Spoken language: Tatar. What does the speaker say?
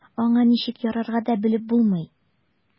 Аңа ничек ярарга да белеп булмый.